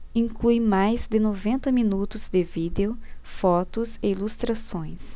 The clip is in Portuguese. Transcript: inclui mais de noventa minutos de vídeo fotos e ilustrações